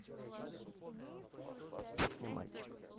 песня мальчик